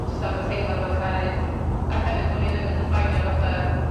jyst am y teimlad o caru. Ac hefyd fo' ni ddim yn diffeinio fatha